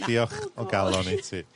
Na. Diolch o galon i ti.